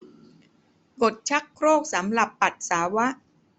กดชักโครกสำหรับปัสสาวะ